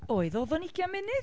Oedd, oedd o'n ugain munud?